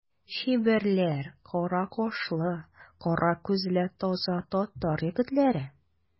Чибәрләр, кара кашлы, кара күзле таза татар егетләре.